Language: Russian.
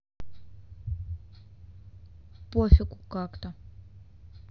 пофигу как то